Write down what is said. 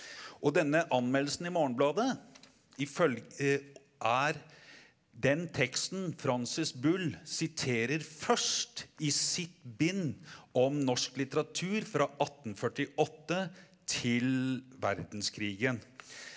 og denne anmeldelsen i Morgenbladet er den teksten Francis Bull siterer først i sitt bind om norsk litteratur fra 1848 til verdenskrigen.